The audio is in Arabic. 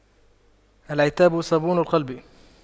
العتاب صابون القلب